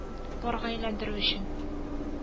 Парга әйләндерү өчен